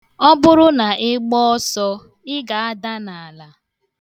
Ọ bụrụna ị gba ọsọ, ị ga-ada n'ala.